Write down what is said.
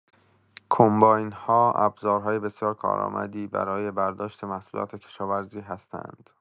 کمباین‌ها ابزارهای بسیار کارآمدی برای برداشت محصولات کشاورزی هستند.